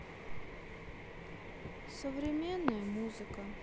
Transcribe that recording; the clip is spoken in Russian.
современная музыка